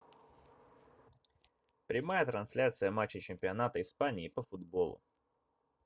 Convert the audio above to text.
прямая трансляция матча чемпионата испании по футболу